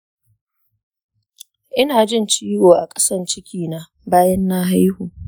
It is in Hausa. ina jin ciwo a ƙasan cikina bayan na haihu